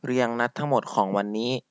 เรียงนัดทั้งหมดของวันนี้